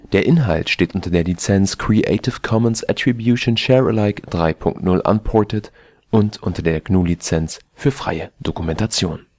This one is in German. Der Inhalt steht unter der Lizenz Creative Commons Attribution Share Alike 3 Punkt 0 Unported und unter der GNU Lizenz für freie Dokumentation